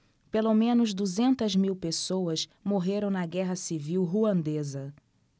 pelo menos duzentas mil pessoas morreram na guerra civil ruandesa